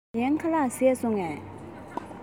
ཞའོ གཡན ཁ ལག བཟས སོང ངས